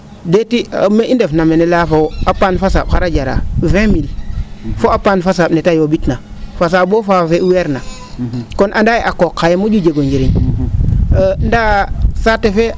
?eeti mee i ndef na mene layaa fo wo' a paan fasaa? xar a jaraa 20 mille fo a paan fasaa? nee ta yoo?it na fasaa?o faa weer na kon anda yee a qooq xaye mo?u jego njiriñ ndaa saate fe